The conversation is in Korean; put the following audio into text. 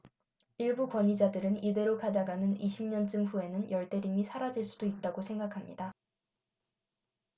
일부 권위자들은 이대로 가다가는 이십 년쯤 후에는 열대림이 사라질 수도 있다고 생각합니다